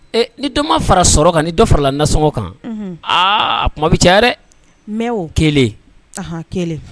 Ni dɔma fara sɔrɔ kan ni dɔ farala nasɔngɔ kan a kuma bɛ ca yɛrɛ mɛ oo kelen kelen